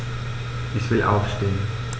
Ich will aufstehen.